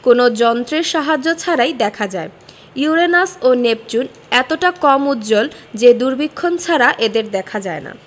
কোনো যন্ত্রের সাহায্য ছাড়াই দেখা যায় ইউরেনাস ও নেপচুন এতটা কম উজ্জ্বল যে দূরবীক্ষণ ছাড়া এদের দেখা যায় না